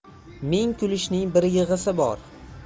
ming kulishning bir yig'isi bor